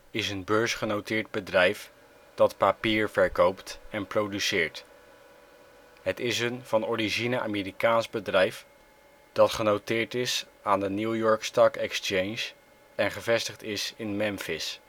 is een beursgenoteerd bedrijf dat papier verkoopt en produceert. Het is een van origine Amerikaans bedrijf dat genoteerd is aan de NYSE en gevestigd is in Memphis